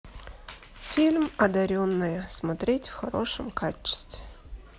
фильм одаренная смотреть в хорошем качестве